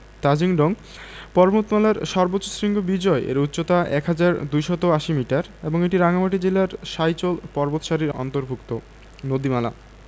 তাজিং ডং পর্বতমালার সর্বোচ্চ শৃঙ্গ বিজয় এর উচ্চতা ১হাজার ২৮০ মিটার এবং এটি রাঙ্গামাটি জেলার সাইচল পর্বতসারির অন্তর্ভূক্ত নদীমালাঃ